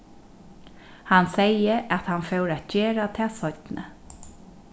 hann segði at hann fór at gera tað seinni